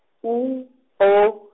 U O.